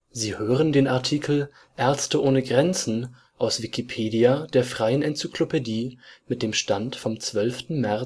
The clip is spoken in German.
Sie hören den Artikel Ärzte ohne Grenzen, aus Wikipedia, der freien Enzyklopädie. Mit dem Stand vom Der